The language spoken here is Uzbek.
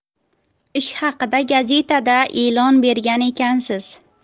ish haqida gazetada e'lon bergan ekansiz